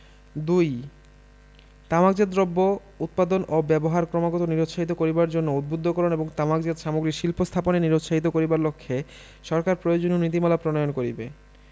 ২ তামাকজাত দ্রব্য উৎপাদন ও ব্যবহার ক্রমাগত নিরুৎসাহিত করিবার জন্য উদ্বুদ্ধকরণ এবং তামাকজাত সামগ্রীর শিল্প স্থাপনে নিরুৎসাহিত করিবার লক্ষ্যে সরকার প্রয়োজনীয় নীতিমালা প্রণয়ন করিবে